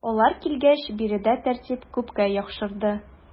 Алар килгәч биредә тәртип күпкә яхшырды.